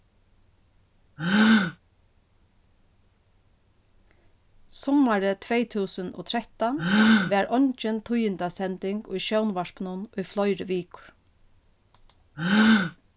summarið tvey túsund og trettan varð eingin tíðindasending í sjónvarpinum í fleiri vikur